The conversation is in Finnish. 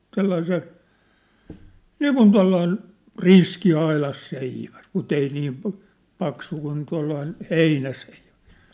sellainen se niin kuin tuollainen riski aidanseiväs mutta ei niin paksu kuin tuollainen heinäseiväs